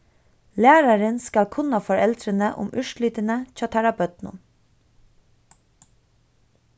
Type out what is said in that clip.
lærarin skal kunna foreldrini um úrslitini hjá teirra børnum